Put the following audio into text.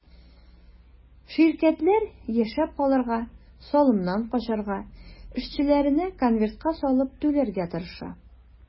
Ширкәтләр яшәп калырга, салымнан качарга, эшчеләренә конвертка салып түләргә тырыша.